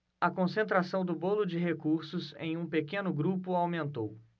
a concentração do bolo de recursos em um pequeno grupo aumentou